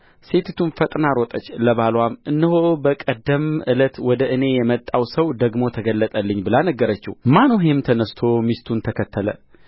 ሴቲቱም ፈጥና ሮጠች ለባልዋም እነሆ በቀደም ዕለት ወደ እኔ የመጣው ሰው ደግሞ ተገለጠልኝ ብላ ነገረችው ማኑሄም ተነሥቶ ሚስቱን ተከተለ